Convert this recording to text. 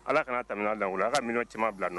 Ala kana tɛmɛ la a ka minɛ cɛma bila na